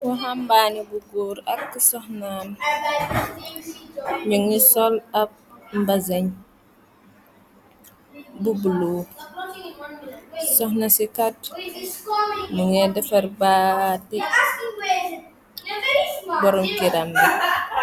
Waxambaane bu góor ak ku soxnam ñungi sol ab mbazeñ bu bulu soxna si chi kat mongay defar baati boromkeram bi.